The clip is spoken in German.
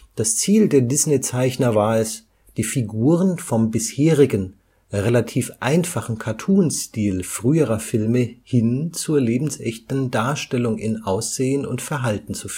Das Ziel der Disney-Zeichner war es, die Figuren vom bisherigen, relativ einfachen Cartoon-Stil früherer Filme hin zu lebensechter Darstellung im Aussehen und Verhalten zu